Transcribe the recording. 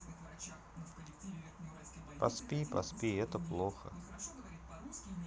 поспи поспи это плохо